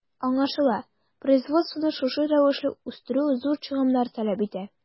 Аңлашыла, производствоны шушы рәвешле үстерү зур чыгымнар таләп итә.